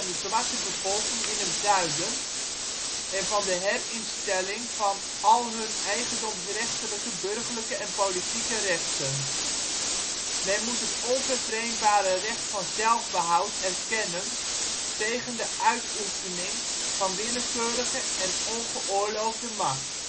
bevolking in het Zuiden en van de herinstelling van al hun eigendomsrechtelijke, burgerlijke en politieke rechten. 10. Men moet het onvervreemdbare recht van zelfbehoud erkennen tegen de uitoefening van willekeurige en ongeoorloofde macht